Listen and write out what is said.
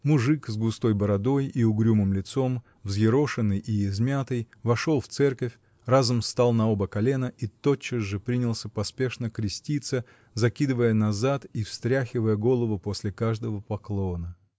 Мужик с густой бородой и угрюмым лицом, взъерошенный и измятый, вошел в церковь, разом стал на оба колена и тотчас же принялся поспешно креститься, закидывая назад и встряхивая голову после каждого поклона.